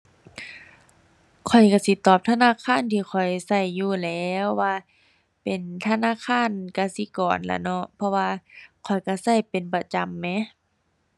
ข้อยก็สิตอบธนาคารที่ข้อยก็อยู่แหล้ว ว่าเป็นธนาคารกสิกรล่ะเนาะ เพราะว่าข้อยก็ก็เป็นประจำแหม